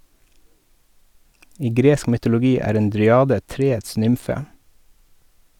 I gresk mytologi er en dryade treets nymfe.